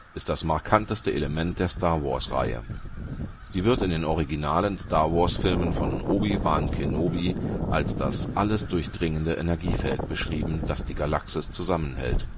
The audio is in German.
ist das markanteste Element der Star-Wars-Reihe. Sie wird in den originalen Star-Wars-Filmen von Obi-Wan Kenobi als das alles durchdringende Energiefeld beschrieben, das die Galaxis zusammenhält